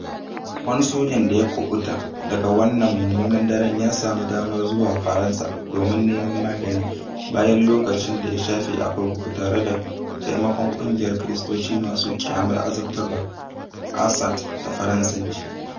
Wani sojan da ya kuɓuta daga wannan mummunan daren ya samu damar zuwa Faransa domin neman magani bayan lokacin da ya shafe a kurkuku tare da taimakon ƙungiyar Kiristoci masu ƙyamar Azabtarwa (ACAT da Faransanci).